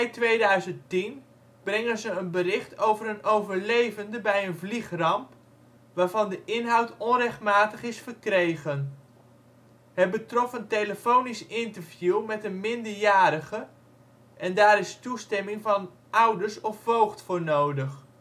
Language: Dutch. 14 mei 2010 brengen ze een bericht over een overlevende bij een vliegramp waarvan de inhoud onrechtmatig is verkregen. Het betrof een telefonisch interview met een minderjarige en daar is toestemming van ouders of voogd voor nodig